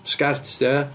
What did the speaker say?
Sgert ydy o ia?